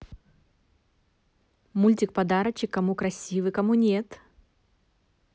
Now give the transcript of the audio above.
мультик подарочек кому красивый кому нет